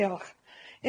Diolch.